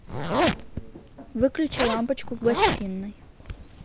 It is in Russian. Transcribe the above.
выключи лампочку в гостиной